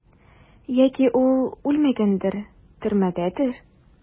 Яки ул үлмәгәндер, төрмәдәдер?